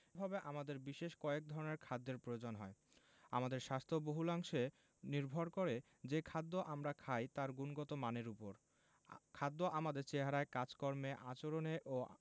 ভাবে আমাদের বিশেষ কয়েক ধরনের খাদ্যের প্রয়োজন হয় আমাদের স্বাস্থ্য বহুলাংশে নির্ভর করে যে খাদ্য আমরা খাই তার গুণগত মানের ওপর খাদ্য আমাদের চেহারায় কাজকর্মে আচরণে ও